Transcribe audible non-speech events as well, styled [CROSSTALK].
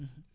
[HESITATION] [HESITATION]